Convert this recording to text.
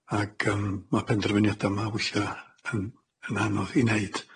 Ag yym ma' penderfyniada yma weithia' yn yn anodd i neud.